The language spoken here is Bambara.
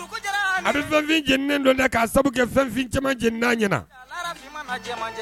Bɛ fɛnfin don dɛ'a kɛ fɛnfin caman j ɲɛna